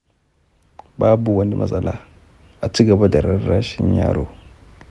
babu wani matsala, a ci gaba da rarrashi yaron